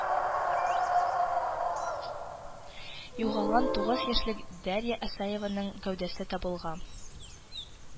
Югалган тугыз яшьлек дарья асееваның гәүдәсе табылган